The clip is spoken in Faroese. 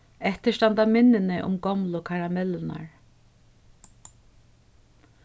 eftir standa minnini um gomlu karamellurnar